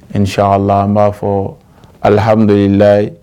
Ni sa n b'a fɔ alihammiduyi ililayi